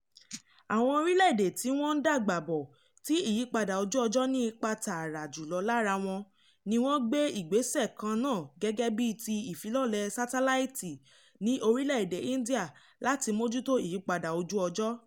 Àwọn orílẹ̀-èdè tí wọ́n ń dàgbà bọ̀ tí ìyípadà ojú ọjọ́ ní ipa tààrà jùlọ lára wọn, ni wọ́n gbé ìgbésẹ̀ kannáà gẹ́gẹ́ bíi ti ìfilọ́lẹ̀ sátáláìtì ní orílẹ̀-èdè India láti mójútó ìyípadà ojú ọjọ́.